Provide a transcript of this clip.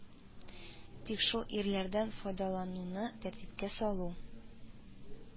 Тик шул ирләрдән файдалануны тәртипкә салу